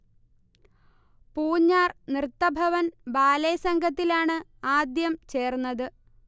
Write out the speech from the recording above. പൂഞ്ഞാർ നൃത്തഭവൻ ബാലെ സംഘത്തിലാണ് ആദ്യം ചേർന്നത്